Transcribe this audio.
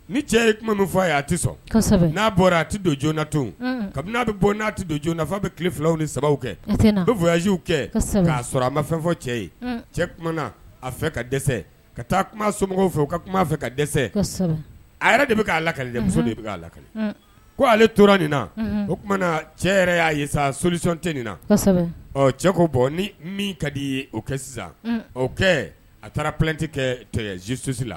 Ni cɛ ye kuma min fɔ a ye a tɛ sɔn n'a bɔra a tɛ don joonana to kabini'a bɛ n'a tɛ don joonana fo bɛ tile filaw ni sababu kɛ n bɛ vyasiw kɛ k'a sɔrɔ a ma fɛn fɔ cɛ ye cɛumana na a fɛ ka dɛsɛ ka taa kuma somɔgɔw fɛ u ka kuma fɛ ka dɛsɛ a yɛrɛ de bɛ' lakalimuso de bɛ' lakale ko ale tora nin na o tumana na cɛ yɛrɛ y'a ye sa solisɔnte nin na cɛ ko bɔn ni min ka di ye o kɛ sisan o a taara plɛti kɛ tosisosi la